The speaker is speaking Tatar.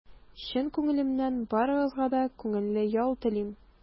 Чын күңелемнән барыгызга да күңелле ял телим!